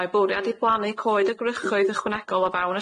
Mae bwriad i blannu coed y grychoedd ychwanegol o fewn